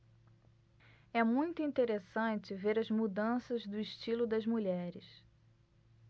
é muito interessante ver as mudanças do estilo das mulheres